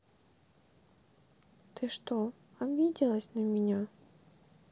ты что обиделась на меня